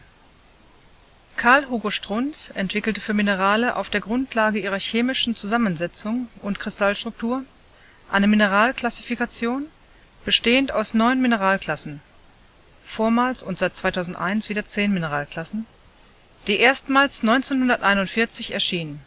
Karl Hugo Strunz entwickelte für Minerale auf der Grundlage ihrer chemischen Zusammensetzung und Kristallstruktur eine Mineralklassifikation, bestehend aus neun Mineralklassen (vormals und seit 2001 wieder zehn Mineralklassen), die erstmals 1941 erschien